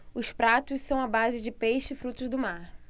os pratos são à base de peixe e frutos do mar